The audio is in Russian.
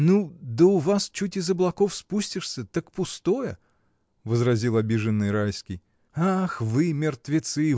— Ну, да, у вас чуть из облаков спустишься — так пустое! — возразил обиженный Райский. — Ах вы, мертвецы!